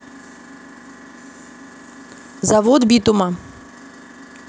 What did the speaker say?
завод битума